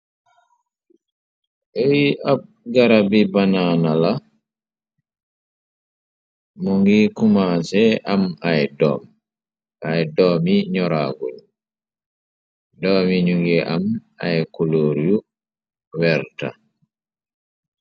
uy ab garabi banaana la mo ngi kumanse am ay doom ay doomi ñoraaguñ doomi ñu ngi am ay kuluur yu werta